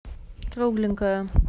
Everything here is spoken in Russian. кругленькое